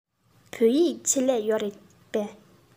བོད ཡིག ཆེད ལས ཡོད རེད པས